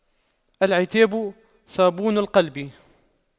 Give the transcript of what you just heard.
العتاب صابون القلب